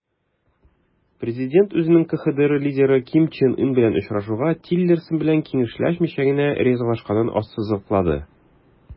Президент үзенең КХДР лидеры Ким Чен Ын белән очрашуга Тиллерсон белән киңәшләшмичә генә ризалашканын ассызыклады.